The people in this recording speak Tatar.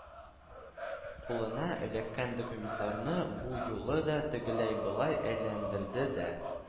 Кулына эләккән документларны бу юлы да тегеләй-болай әйләндерде дә: